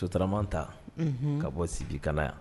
Sotarama ta ka bɔ sibi kana yan